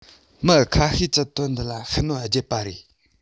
མི ཁ ཤས ཀྱིས དོན འདི ལ ཤུགས སྣོན བརྒྱབ པ རེད